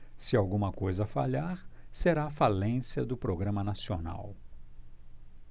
se alguma coisa falhar será a falência do programa nacional